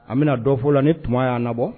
An bɛna dɔ fɔ o la ni tuma y'an labɔ